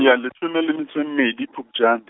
ya leshome le metso e mmedi, Phupjane.